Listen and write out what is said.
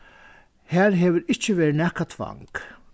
har hevur ikki verið nakað tvang